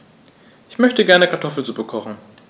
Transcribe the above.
Ich möchte gerne Kartoffelsuppe kochen.